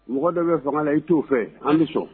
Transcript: Mɔgɔ dɔ bɛ fanga la i t'o fɛ an ni sɔn